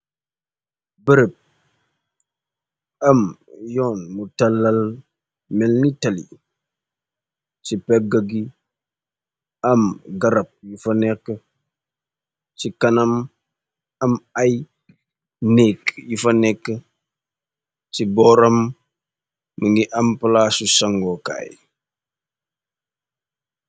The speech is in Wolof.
Berëb, am yoon mu talal melni tali, ci pegga gi, am garab am ay nékk yu fa nekk, si booram, mi ngi am palaasu sangoo kaay.